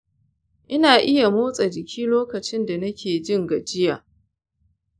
ina iya motsa jiki lokacin da nake jin gajiya.